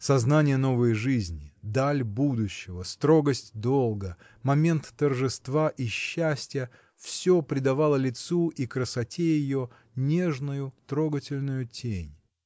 Сознание новой жизни, даль будущего, строгость долга, момент торжества и счастья — всё придавало лицу и красоте ее нежную, трогательную тень.